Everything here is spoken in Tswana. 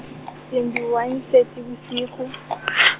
twenty one Seetebosigo .